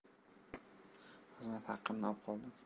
xizmat haqimni opqoldim